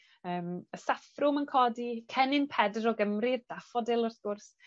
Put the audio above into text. yym y saffrwm yn codi, cennin Pedr o Gymr, daffodil wrth gwrs.